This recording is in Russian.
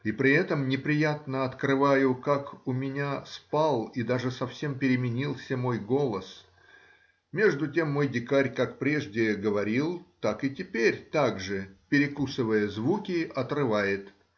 — и при этом неприятно открываю, как у меня спал и даже совсем переменился мой голос, между тем мой дикарь как прежде говорил, так и теперь так же, перекусывая звуки, отрывает.